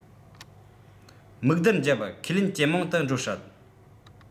སྨུག རྡུལ འཇིབ ཁས ལེན ཇེ མང དུ འགྲོ སྲིད